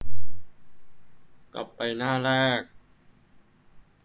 กลับไปหน้าแรก